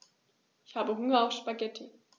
Ich habe Hunger auf Spaghetti.